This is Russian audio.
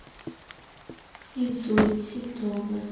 инсульт симптомы